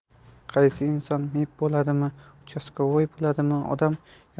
qaysi inson mib bo'ladimi 'uchastkavoy' bo'ladimi